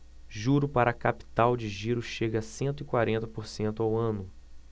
juro para capital de giro chega a cento e quarenta por cento ao ano